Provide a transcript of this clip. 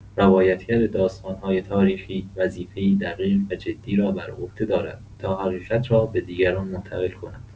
روایت‌گر داستان‌های تاریخی، وظیفه‌ای دقیق و جدی را بر عهده دارد تا حقیقت را به دیگران منتقل کند.